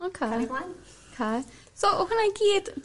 Oce. ...hynny flaen. 'Ce. So o'dd hwnna i gyd...